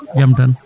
jaam tan